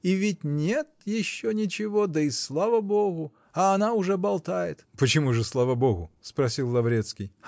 И ведь нет еще ничего, да и слава богу! а она уже болтает. -- Почему же слава богу? -- спросил Лаврецкий.